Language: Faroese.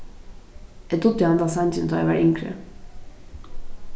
eg dugdi handan sangin tá ið eg var yngri